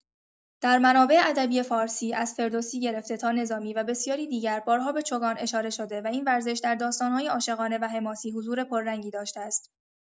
در منابع ادبی فارسی، از فردوسی گرفته تا نظامی و بسیاری دیگر، بارها به چوگان اشاره شده و این ورزش در داستان‌های عاشقانه و حماسی حضور پررنگی داشته است.